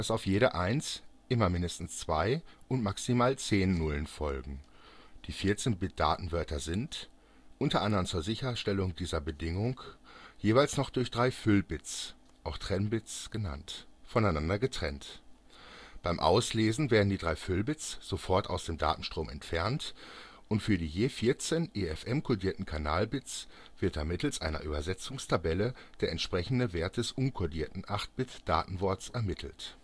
auf jede Eins immer mindestens zwei und maximal zehn Nullen folgen. Die 14-Bit-Datenwörter sind – unter anderem zur Sicherstellung dieser Bedingung (manche fangen mit einer Eins an, andere hören mit einer Eins auf) – jeweils noch durch drei Füllbits (auch Trennbits oder Mergingbits genannt) voneinander getrennt. Beim Auslesen werden die drei Füllbits sofort aus dem Datenstrom entfernt, und für die je 14 EFM-codierten Kanalbits wird dann mittels einer Übersetzungstabelle der entsprechende Wert des uncodierten 8-Bit-Datenworts ermittelt